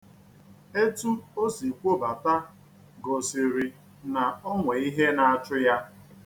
Etu o si kwobata gosiri na e nwe ihe na-achụ ya.